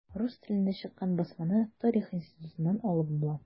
Рус телендә чыккан басманы Тарих институтыннан алып була.